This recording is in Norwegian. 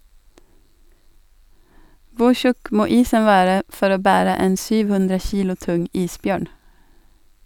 Hvor tjukk må isen være for å bære en 700 kilo tung isbjørn?